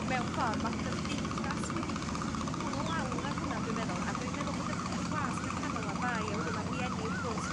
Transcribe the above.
mewn ffor ma' cymdeithas wedi wedi bwrw lawr ar hwnna dw i'n meddwl a dwi'n meddwl bod y y wasg yn rhannol a'r fai a wedyn ma' rhieni wrth gwrs